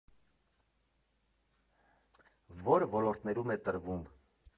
Ո՞ր ոլորտներում է տրվում։